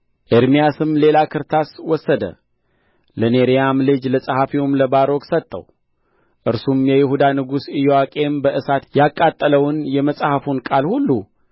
ኤርምያስም ሌላ ክርታስ ወሰደ ለኔርያም ልጅ ለጸሐፊው ለባሮክ ሰጠው እርሱም የይሁዳ ንጉሥ ኢዮአቄም በእሳት ያቃጠለውን የመጽሐፉን ቃል ሁሉ